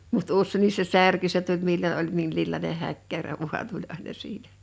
mutta useinkin se särkyi se tuli milloin oli minkinlainen häkkärä vain tuli aina siitä